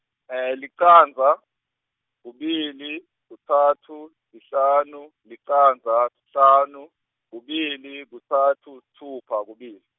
licandza, kubili, kutsatfu, sihlanu, licandza, sihlanu, kubili, kutsatfu, sitfupha, kubili.